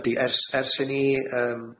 Ydi ers ers i ni yym